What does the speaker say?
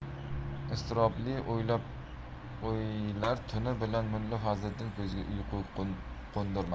iztirobli o'ylar tuni bilan mulla fazliddin ko'ziga uyqu qo'ndirmadi